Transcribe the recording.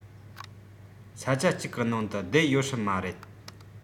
ས ཆ ཅིག གི ནང དུ བསྡད ཡོད སྲིད མ རེད